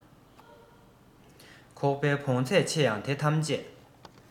ཁོག པའི བོངས ཚད ཆེ ཡང དེ ཐམས ཅད